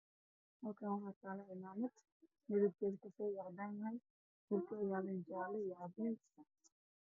Kal kaan waxaa saaran cimaamad midad keedu kafee iyo cadeys yahay